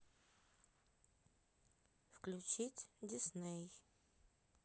включить disney